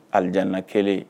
Aliana kɛlen